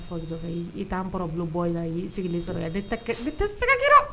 I t'an bulon bɔ sigilen sɔrɔ tɛ segin